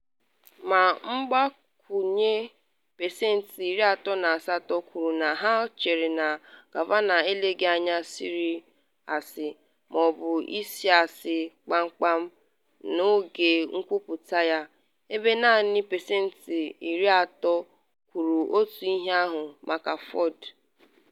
Na mgbakwunye, pesentị 38 kwuru na ha chere na Kavanaugh eleghị anya sịrị asị ma ọ bụ sịa asị kpamkpam n’oge nkwuputa ya, ebe naanị pesentị 30 kwuru otu ihe ahụ maka Ford.